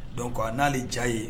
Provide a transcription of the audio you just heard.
Don ko n'ale diya ye